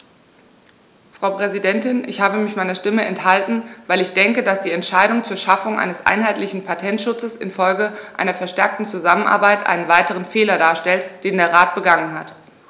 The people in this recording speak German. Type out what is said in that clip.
Frau Präsidentin, ich habe mich meiner Stimme enthalten, weil ich denke, dass die Entscheidung zur Schaffung eines einheitlichen Patentschutzes in Folge einer verstärkten Zusammenarbeit einen weiteren Fehler darstellt, den der Rat begangen hat.